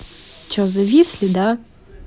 че зависли да